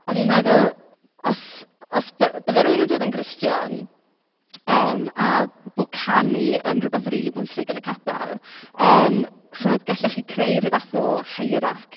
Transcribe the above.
O'n i'n meddwl os os by- byddai rhywun yn dod yn Gristion yym a bo' canu yn rywbeth rili bwysig yn y capel yym chimod gallwch chi creu rhyw fath o hierarchy